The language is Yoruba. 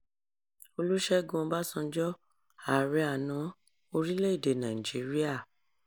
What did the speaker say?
Olúṣẹ́gun Ọbásanjọ́, Ààrẹ àná orílẹ̀-èdè Nàìjíríà.